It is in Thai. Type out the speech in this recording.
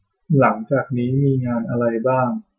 หลังจากนี้มีงานอะไรบ้าง